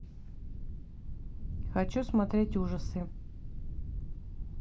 хочу смотреть ужасы